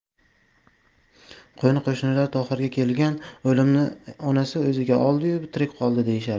qo'ni qo'shnilar tohirga kelgan o'limni onasi o'ziga oldi yu bu tirik qoldi deyishardi